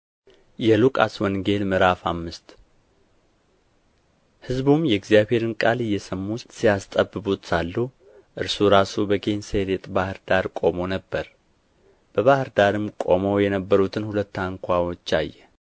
የሉቃስ ወንጌል ምዕራፍ አምስት ሕዝቡም የእግዚአብሔርን ቃል እየሰሙ ሲያስጠብቡት ሳሉ እርሱ ራሱ በጌንሳሬጥ ባሕር ዳር ቆሞ ነበር በባሕር ዳርም ቆመው የነበሩትን ሁለት ታንኳዎች አየ